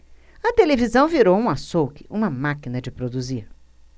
a televisão virou um açougue uma máquina de produzir